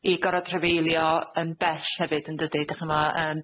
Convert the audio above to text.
i gor'o' drafeilio yn bell hefyd, yn dydi, 'dych ch'mo', yym,